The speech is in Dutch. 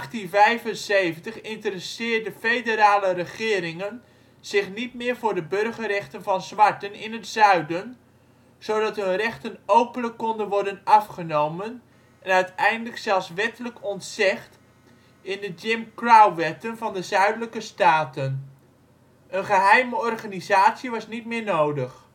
Na 1875 interesseerden federale regeringen zich niet meer voor de burgerrechten van zwarten in het Zuiden, zodat hun rechten openlijk konden worden afgenomen en uiteindelijk zelfs wettelijk ontzegd in de Jim Crow-wetten van de Zuidelijke staten. Een geheime organisatie was niet meer nodig